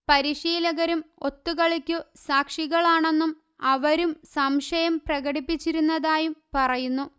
പരിശീലകരും ഒത്തുകളിക്കു സാക്ഷികളാണെന്നും അവരും സംശയം പ്രകടിപ്പിച്ചിരുന്നതായും പറയുന്നു